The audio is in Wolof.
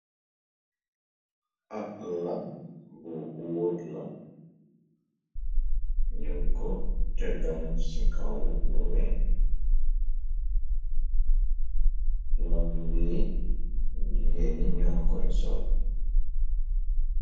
Ab lam bu wuur la nëngu te dan ci kaw wuween. Lam wi jugeeni ñoo koy sol.